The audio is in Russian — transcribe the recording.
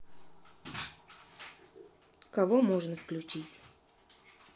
кого можно включить